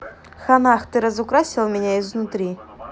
hannah ты разукрасила меня изнутри